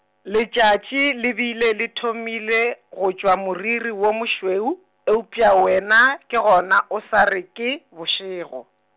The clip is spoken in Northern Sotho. letšatši le bile le thomile, go tšwa moriri wo mošweu, eupša wena, ke gona o sa re ke, bošego.